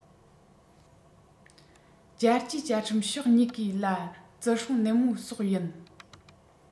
རྒྱལ སྤྱིའི བཅའ ཁྲིམས ཕྱོགས གཉིས ཀས ལ བརྩི སྲུང ནན པོ སོགས ཡིན